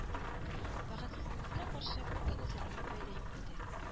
Бәхетсезлегебезгә каршы, ул көнне Сәлихә апа өйдә юк иде